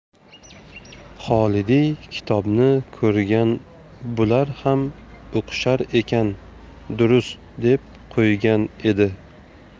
xolidiy kitobni ko'rgan bular ham o'qishar ekan durust deb qo'ygan edi